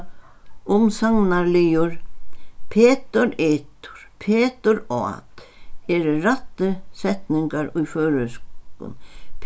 umsagnarliður petur etur petur át eru rætti setningar í føroyskum